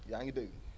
yaa ngi dégg